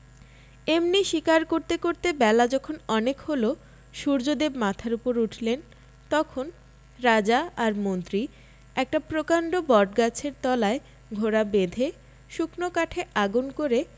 এমনি শিকার করতে করতে বেলা যখন অনেক হল সূর্যদেব মাথার উপর উঠলেন তখন রাজা আর মন্ত্রী একটা প্রকাণ্ড বটগাছের তলায় ঘোড়া বেঁধে শুকনো কাঠে আগুন করে